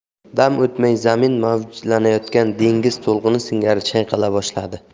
dam o'tmay zamin mavjlanayotgan dengiz to'lqini singari chayqala boshladi